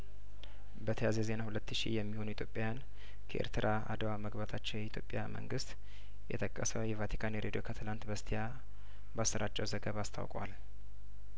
በተያያዘ ዜና ሁለት ሺህ የሚሆኑ ኢትዮጵያን ከኤርትራ አድዋ መግባታቸው የኢትዮጵያ መንግስት የጠቀሰው የቫቲካን ሬዲዮ ከትናንት በስቲያባ ሰራጨው ዘገባ አስታውቋል